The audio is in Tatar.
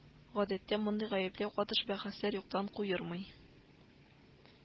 Гадәттә, мондый гаепләү катыш бәхәсләр юктан куермый